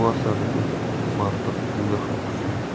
malikning bu asarida mantiq juda ham kuchli